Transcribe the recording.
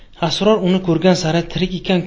sror uni ko'rgan sari tirik ekan ku